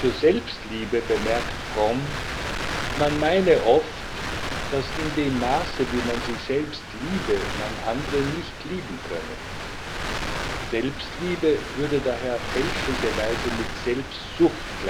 Selbstliebe bemerkt Fromm, man meine oft, dass in dem Maße, wie man sich selbst liebe, man andere nicht lieben könne. Selbstliebe würde daher fälschlicherweise mit Selbstsucht gleichgesetzt. Wenn